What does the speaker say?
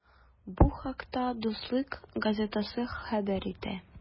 Бу хакта “Дуслык” газетасы хәбәр итә.